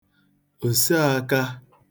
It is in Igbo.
òseākā